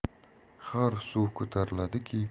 har suv ko'tariladiki